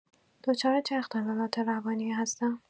دچار چه اختلالات روانی‌ای هستم؟